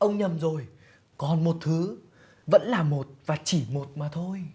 ông nhầm rồi còn một thứ vẫn là một và chỉ một mà thôi